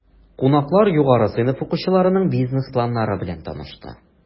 Кунаклар югары сыйныф укучыларының бизнес планнары белән танышты.